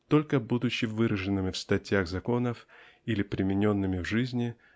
Только будучи выраженными в статьях законов или примененными в жизни